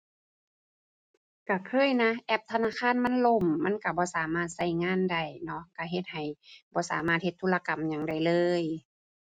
ก็เคยนะ แอปธนาคารมันล่ม มันก็บ่สามารถก็งานได้เนาะ ก็เฮ็ดให้บ่สามารถเฮ็ดธุรกรรมหยังได้เลย